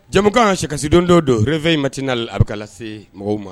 Jamakan kan sikasidon dɔ don 2 in mati n na abuka se mɔgɔw ma